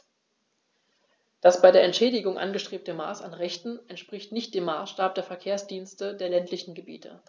Das bei der Entschädigung angestrebte Maß an Rechten entspricht nicht dem Maßstab der Verkehrsdienste der ländlichen Gebiete.